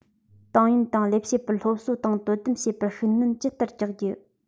ཏང ཡོན དང ལས བྱེད པར སློབ གསོ དང དོ དམ བྱེད པར ཤུགས སྣོན ཇི ལྟར རྒྱག རྒྱུ